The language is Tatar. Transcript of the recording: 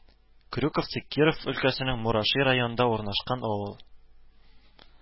Крюковцы Киров өлкәсенең Мураши районында урнашкан авыл